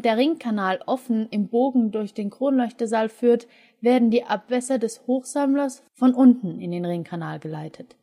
der Ringkanal offen im Bogen durch den Kronleuchtersaal führt, werden die Abwässer des Hochsammlers von unten in den Ringkanal geleitet.